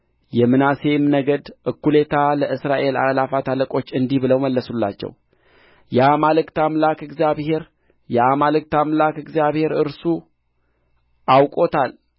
የምናሴም ነገድ እኩሌታ ለእስራኤል አእላፋት አለቆች እንዲህ ብለው መለሱላቸው የአማልክት አምላክ እግዚአብሔር የአማልክት አምላክ እግዚአብሔር እርሱ አውቆታል